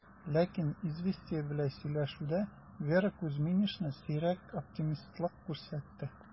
Ләкин "Известия" белән сөйләшүдә Вера Кузьминична сирәк оптимистлык күрсәтте: